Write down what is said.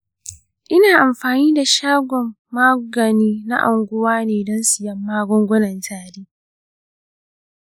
ina amfani da shagon maganin na unguwa ne don siyan magungunan tari.